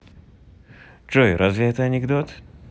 джой разве это анекдот